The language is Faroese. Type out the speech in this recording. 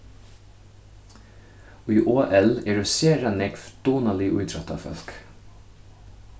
í ol eru sera nógv dugnalig ítróttafólk